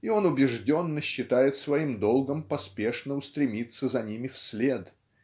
и он убежденно считает своим долгом поспешно устремиться за ними вслед